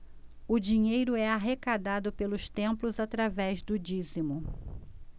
o dinheiro é arrecadado pelos templos através do dízimo